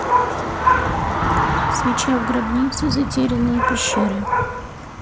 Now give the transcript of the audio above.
свеча в гробнице затерянные пещеры